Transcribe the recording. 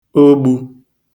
ogbu